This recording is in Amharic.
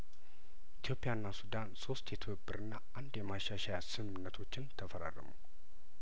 ኢትዮፕያና ሱዳን ሶስት የትብብርና አንድ የማሻሻያስምምነቶችን ተፈራረሙ